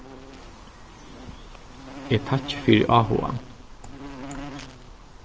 eg takki fyri áhugan